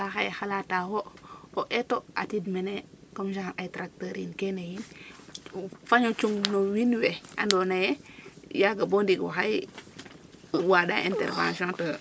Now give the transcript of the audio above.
nda xaye xalata wo o eto atid mene comme genre ay tracteur in kene yiin fano cung wiin we ando naye yaga bo ndik waxey waɗa intervention